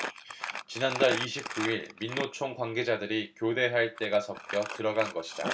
지난달 이십 구 일 민노총 관계자들이 교대할 때 가 섞여 들어간 것이다